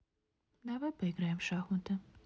давай поиграем в шахматы